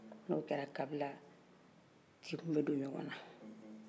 ni o kɛra kabila kinw bɛ don ɲɔgɔn na